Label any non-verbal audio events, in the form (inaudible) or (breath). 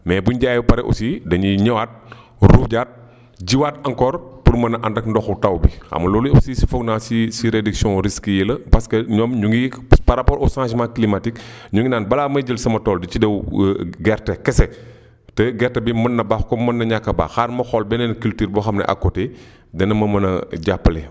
mais bu ñu jaayee ba pare aussi dañuy ñëwaat ruujaat jiwaat encore pour mën a ànd ak ndoxu taw bi xam nga loolu aussi foog naa si si réduction risques yi la parce que ñoom ñu ngi (noise) par rapport au changement climatique (breath) ñu ngi naan balaa may jël sama tool di ci def (hesitation) gerte kese te gerte bi mën na baax comme mën na ñàkk a baax xaaral ma xool beneen culture boo xam ne à côté (inhales) dana ma mën a jàppale